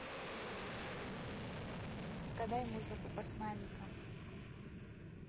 отгадай музыку по смайликам